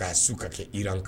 K'a su ka kɛ iran kan.